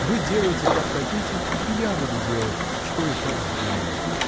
Вы делайте, как хотите, и я буду делать, что и как вздумаю.